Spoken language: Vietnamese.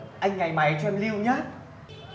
anh nháy máy cho em lưu nhá